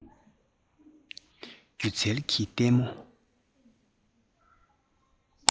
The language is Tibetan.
སྒྱུ རྩལ གྱི ལྟད མོ